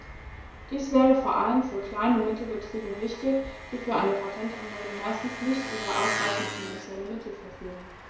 Dies wäre vor allem für Klein- und Mittelbetriebe wichtig, die für eine Patentanmeldung meistens nicht über ausreichende finanzielle Mittel verfügen.